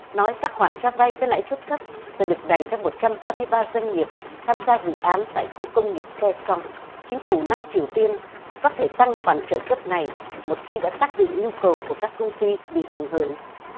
nói các khoản cho vay với lãi suất thấp sẽ được dành cho một trăm ba mươi ba doanh nghiệp tham gia dự án tại khu công nghiệp ke xong chính phủ nam triều tiên có thể tăng khoản trợ cấp này một khi đã xác định nhu cầu của các công ty bị ảnh hưởng